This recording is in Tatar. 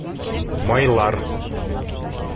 Майлар